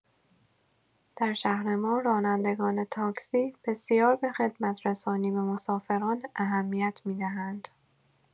در شهر ما، رانندگان تاکسی بسیار به خدمت‌رسانی به مسافران اهمیت می‌دهند.